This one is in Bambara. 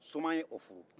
soma ye o furu